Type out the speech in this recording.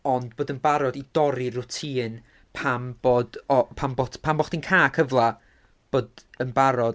Ond bod yn barod i dorri'r routine pam bod, o, pam bod pam bod chdi'n cael cyfle bod yn barod.